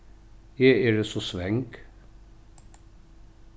eg eri so svang